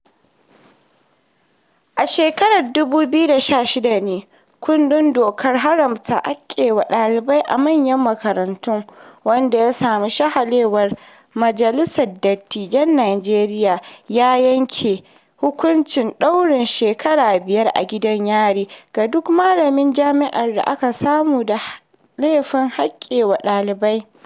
A shakarar 2016 ne "kundin Dokar Haramta Haikewa ɗalibai a Manyan Makarantu" wanda ya samu sahalewar Majalisar Dattijan Nijeriya ya yanke hukuncin ɗaurin shekaru 5 a gidan yari ga duk malamin jami'ar da aka samu da laifin haikewa ɗalibai.